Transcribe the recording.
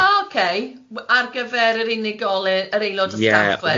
O ok, w- ar gyfer yr unigolyn, yr aelod y staff wedyn.